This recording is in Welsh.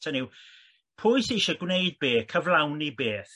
Hynny yw pwy sy isie gwneud be? Cyflawni beth?